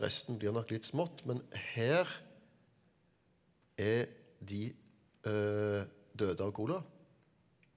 resten blir nok litt smått men her er de døde av kolera.